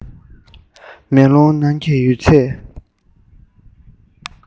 མེ ལོང ནང གི ཡོད ཚད